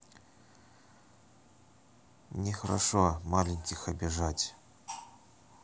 не хорошо маленьких обижать